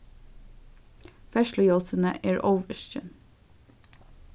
ferðsluljósini eru óvirkin